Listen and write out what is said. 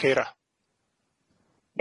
Ceira.